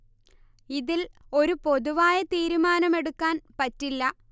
ഇതിൽ ഒരു പൊതുവായ തീരുമാനമെടുക്കാൻ പറ്റില്ല